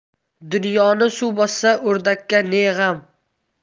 dunyoni suv bossa o'rdakka ne g'am